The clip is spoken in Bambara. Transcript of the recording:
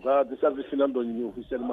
Bisa f dɔ ɲini u' sema